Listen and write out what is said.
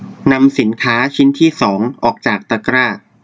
นำสินค้าชิ้นที่สองออกจากตะกร้า